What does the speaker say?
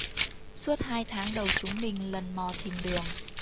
suốt hai tháng đầu chúng mình lần mò tìm đường